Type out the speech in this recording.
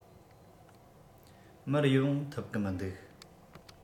མར ཡོང ཐུབ གི མི འདུག